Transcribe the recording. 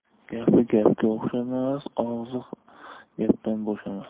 gapi gapga o'xshamas og'zi gapdan bo'shamas